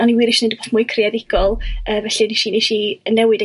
o ni wir isio 'neud wbath mwy creadigol yy felly 'nes i 'nes i newid fy